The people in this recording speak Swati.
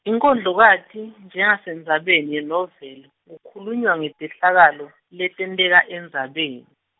inkondlokati , njengasendzabeni yenoveli, kukhulunywa ngetehlakalo, letenteka endzabeni.